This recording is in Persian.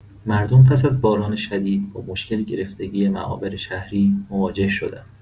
مردم پس از باران شدید با مشکل گرفتگی معابر شهری مواجه شدند.